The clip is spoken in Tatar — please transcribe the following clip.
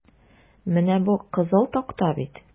Менә бу кызыл такта бит?